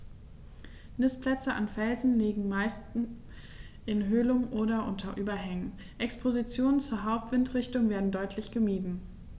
Nistplätze an Felsen liegen meist in Höhlungen oder unter Überhängen, Expositionen zur Hauptwindrichtung werden deutlich gemieden.